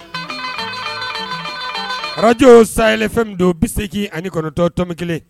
Arajo Sahel FM don bi segi ni kɔnɔtɔn tomi kelen